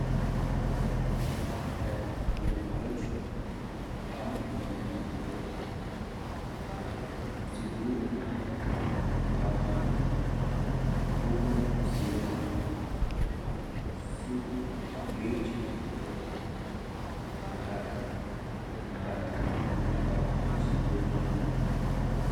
naanekaay yoma toj am lunde naan ci biir bant toowu ci wetam suufi géej ak bant yu taxaw ci boori géej bi